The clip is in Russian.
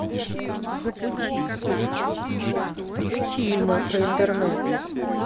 фильмы про интернет